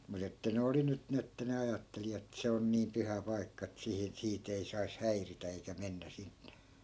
mutta että ne oli nyt niin että ne ajatteli että se on niin pyhä paikka että siihen sitä ei saisi häiritä eikä mennä sinne